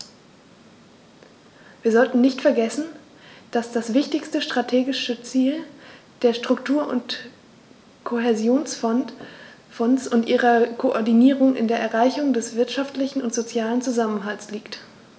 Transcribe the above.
Wir sollten nicht vergessen, dass das wichtigste strategische Ziel der Struktur- und Kohäsionsfonds und ihrer Koordinierung in der Erreichung des wirtschaftlichen und sozialen Zusammenhalts liegt.